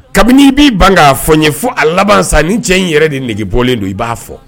Kabini i b'i ban' fɔ n ye fo a laban san ni cɛ in yɛrɛ de nɛgɛge bɔlen don i b'a fɔ